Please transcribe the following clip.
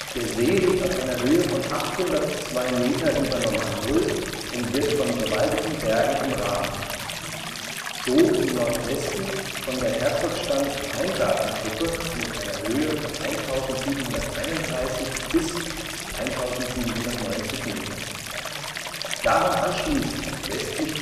Der See liegt auf einer Höhe von 802 m ü. NN und wird von bewaldeten Bergen umrahmt. So im Nordwesten von der Herzogstand-Heimgartengruppe (1.731 m und 1.790 m), daran anschließend westlich